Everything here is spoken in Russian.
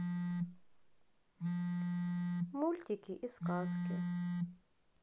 мультики и сказки